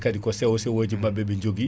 kaadi ko sewo sewoji mabɓe ɓe jogui